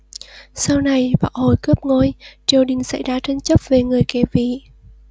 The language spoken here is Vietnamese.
sau này võ hậu cướp ngôi triều đình xảy ra tranh chấp về người kế vị